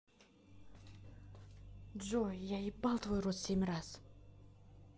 джой я ебал твой рот семь раз